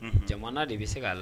Jamana de bɛ se' a la